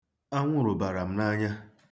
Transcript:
Anwụrụ bara m n'anya.